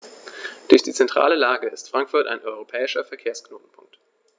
Durch die zentrale Lage ist Frankfurt ein europäischer Verkehrsknotenpunkt.